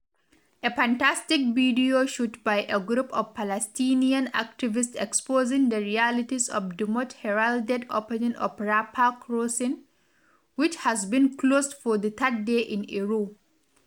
A fantastic video shot by a group of Palestinian activists exposing the realities of the much heralded opening of Rafah Crossing, which has been closed for the third day in a row.